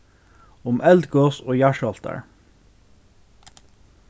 um eldgos og jarðskjálvtar